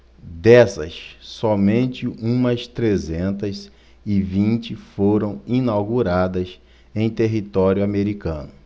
dessas somente umas trezentas e vinte foram inauguradas em território americano